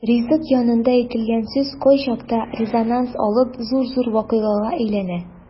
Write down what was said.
Ризык янында әйтелгән сүз кайчакта резонанс алып зур-зур вакыйгага әйләнә.